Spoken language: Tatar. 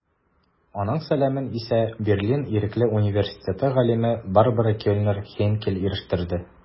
Аның сәламен исә Берлин Ирекле университеты галиме Барбара Кельнер-Хейнкель ирештерде.